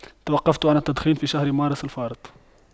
توقفت عن التدخين في شهر مارس الفارط